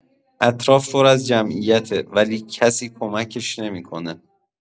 اطراف پر از جمعیته، ولی کسی کمکش نمی‌کنه.